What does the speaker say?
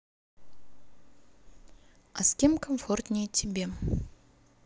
а с кем комфортнее тебе